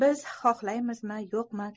biz xohlaymizmi yo'qmi